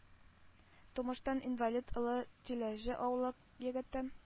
Тумыштан инвалид Олы Тиләҗе авылы егете